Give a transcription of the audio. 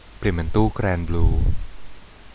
เปลี่ยนเป็นตู้แกรนบลู